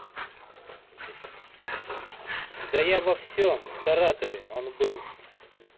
да я во всем в саратове он был